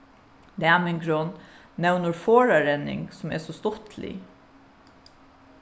næmingurin nevnir forðarenning sum er so stuttlig